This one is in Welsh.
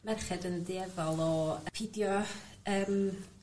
merched yn dueddol o yy pidio yym